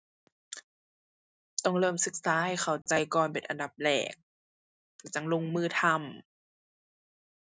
ต้องเริ่มศึกษาให้เข้าใจก่อนเป็นอันดับแรก แล้วจั่งลงมือทำ